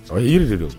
Ɔ jiri de don